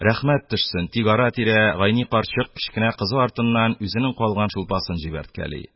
Рәхмәт төшсен, тик ара-тирә Гайни карчык кечкенә кызы артыннан үзенең калган шулпасын җибә-рткәли!